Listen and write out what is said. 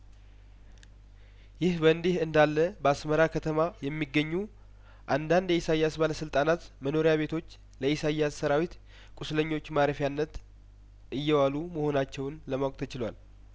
ይህ በእንዲህ እንዳለበአስመራ ከተማ የሚገኙ አንዳንድ የኢሳያስ ባለስልጣናት መኖሪያ ቤቶች ለኢሳያስ ሰራዊት ቁስለኞች ማረፊያነት እየዋሉ መሆናቸውን ለማወቅ ተችሏል